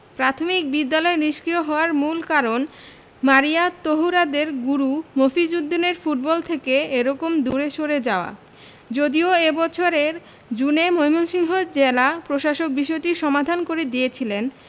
প্রাথমিক বিদ্যালয় নিষ্ক্রিয় হওয়ার মূল কারণ মারিয়া তহুরাদের গুরু মফিজ উদ্দিনের ফুটবল থেকে একরকম দূরে সরে যাওয়া যদিও এ বছরের জুনে ময়মনসিংহের জেলা প্রশাসক বিষয়টির সমাধান করে দিয়েছিলেন